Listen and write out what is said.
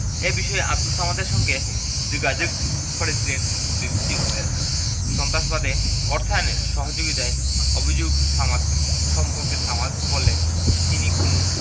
এ বিষয়ে আবদুল সামাদের সঙ্গে যোগাযোগ করেছিল বিবিসি ওয়েলস সন্ত্রাসবাদে অর্থায়নের সহযোগিতার অভিযোগ সামাদকে সম্পর্কে সামাদ বলেন তিনি কোনো